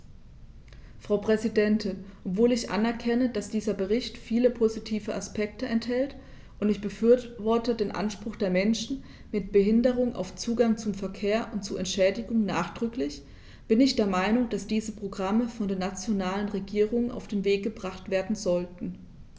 Frau Präsidentin, obwohl ich anerkenne, dass dieser Bericht viele positive Aspekte enthält - und ich befürworte den Anspruch der Menschen mit Behinderung auf Zugang zum Verkehr und zu Entschädigung nachdrücklich -, bin ich der Meinung, dass diese Programme von den nationalen Regierungen auf den Weg gebracht werden sollten.